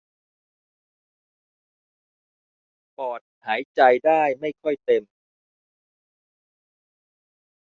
ปอดหายใจได้ไม่ค่อยเต็ม